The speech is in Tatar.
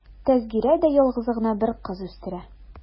Тәзкирә дә ялгызы гына бер кыз үстерә.